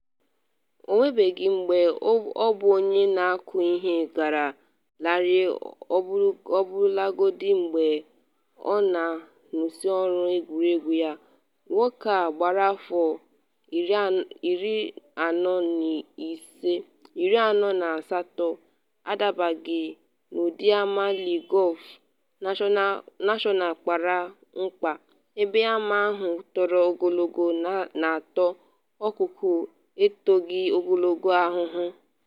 Ọ nwebeghị mgbe ọ bụ onye na-akụ ihe gara larịị ọbụlagodi mgbe ọ nọ n’isi ọrụ egwuregwu ya, nwoke a gbara afọ 48 adabaghị n’ụdị ama Le Golf National kpara mkpa, ebe ama ahụ toro ogologo na-ata ọkụkụ etoghi ogologo ahụhụ.